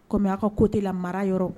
Ko mais aw ka coté la mara yɔrɔ